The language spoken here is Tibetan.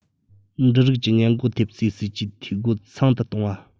འབྲུ རིགས ཀྱི ཉེན འགོག ཐེབས རྩའི སྲིད ཇུས འཐུས སྒོ ཚང དུ གཏོང བ